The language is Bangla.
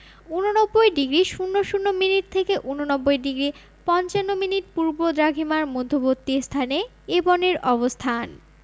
৮৯ডিগ্রি ০০মিনিট থেকে ৮৯ ডিগ্রি ৫৫মিনিট পূর্ব দ্রাঘিমার মধ্যবর্তী স্থানে এ বনের অবস্থান